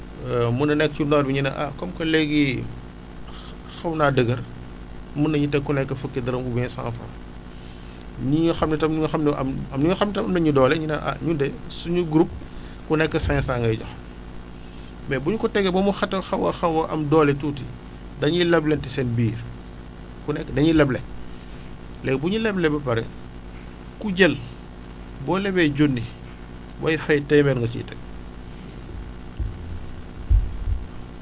mën na nekk ci noor bi ñu ne ah comme que léegi xa xaw naa dëgër mën nañu teg ku nekk fukki dërëm oubien 100F ñii nga xam ne tam ñoo nga xam ne am am na ñoo xam tam am nañu doole ñu ne ah ñun de suñu groupe ku nekk 500 ngay joxe mais bu ñu ko tegee ba mu xat a xaw a xaw a am doole tuuti dañuy leblante seen biir ku nekk dañuy leble léegi bu ñu leblee ba pare ku jël boo lebeejunni booy fay téeméer nga siy teg